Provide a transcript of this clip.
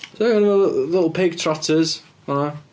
Yy fel little pig trotters fel 'na?